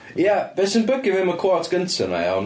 Ia, be sy'n bygio fi am y quote gynta 'na, iawn...